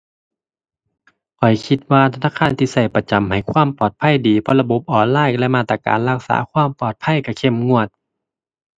ข้อยคิดว่าธนาคารที่ใช้ประจำให้ความปลอดภัยดี เพราะระบบออนไลน์และมาตรการรักษาความปลอดภัยใช้เข้มงวด